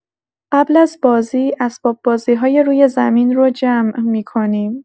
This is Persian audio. قبل از بازی اسباب‌بازی‌های روی زمین رو جمع می‌کنیم.